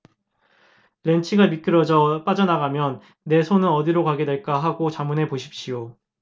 렌치가 미끄러져 빠져나가면 내 손은 어디로 가게 될까 하고 자문해 보십시오